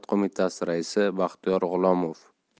qo'mitasi raisi baxtiyor g'ulomov